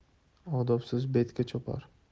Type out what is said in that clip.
odobsiz betga chopar